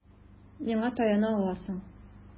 Миңа таяна аласың.